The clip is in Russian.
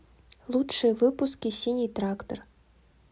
лучшие выпуски синий трактор